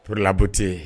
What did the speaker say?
Pour la beauté